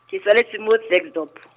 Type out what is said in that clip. ke tsaletswe mo Klerksdorp.